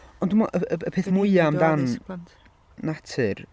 Ond dwi'n meddwl y- y- y peth mwyaf amdan... addysg plant...Natur...